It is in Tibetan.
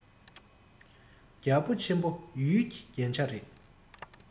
རྒྱལ པོ ཆེན པོ ཡུལ གྱི རྒྱན ཆ རེད